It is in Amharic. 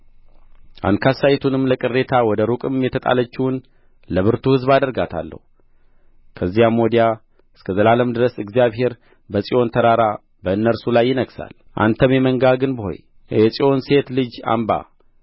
አንካሳይቱንም ለቅሬታ ወደ ሩቅም የተጣለችውን ለብርቱ ሕዝብ አደርጋታለሁ ከዚያም ወዲያ እስከ ዘላለም ድረስ እግዚአብሔር በጽዮን ተራራ በእነርሱ ላይ ይነግሣል አንተም የመንጋ ግንብ ሆይ የጽዮን ሴት ልጅ አምባ